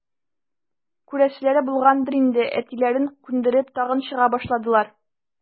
Күрәселәре булгандыр инде, әтиләрен күндереп, тагын чыга башладылар.